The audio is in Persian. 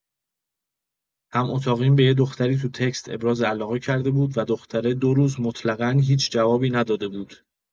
هم‌اتاقیم به یه دختری تو تکست ابراز علاقه کرده بود و دختره دو روز مطلقا هیچ جوابی نداده بود.